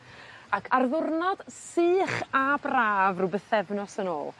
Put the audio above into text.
Ac ar ddiwrnod sych a braf rw bythefnos yn ôl